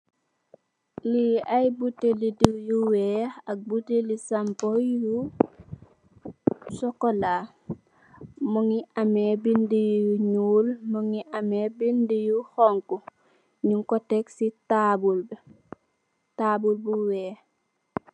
Li ay buteel li diw yu weeh ak buteel li shampoo yu sokola, mungi ameh bindi yu ñuul, mungi ameh bindi yu honku nung ko tekk ci taabul bi, taabl bi weeh.